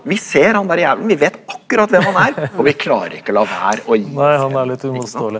vi ser han der jævelen, vi vet akkurat hvem han er, og vi klarer ikke la være å gi .